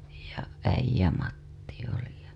ja Äijämatti oli ja